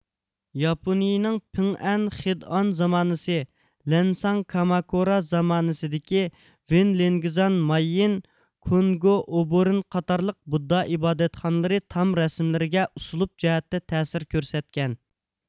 ياپونىيىنىڭ پىڭئەن خېدئان زامانىسى لەنساڭ كاماكۇرا زامانىسدىكى ۋېن لېنگېزان مايىيىن كونگو ئۇبۇرىن قاتارلىق بۇددا ئىبادەتخانىلىرى تام رەسىملىرىگە ئۇسلۇب جەھەتتە تەسىر كۆرسەتكەن